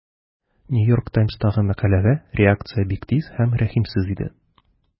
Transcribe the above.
New York Times'тагы мәкаләгә реакция бик тиз һәм рәхимсез иде.